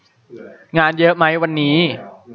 งานเยอะไหมวันนี้